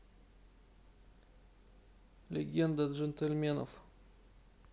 легенда джентльменов